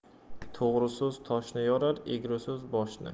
to'g'ri so'z toshni yorar egri so'z boshni